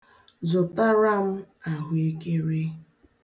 Zụtara m ahụekere.